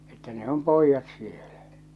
että ne on pojat siellä